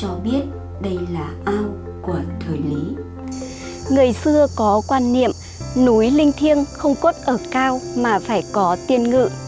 cho biết đây là ao của thời lý người xưa có quan niệm núi linh thiêng không cốt ở cao mà phải có tiên ngự